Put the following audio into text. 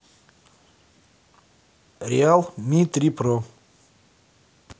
реал ми три про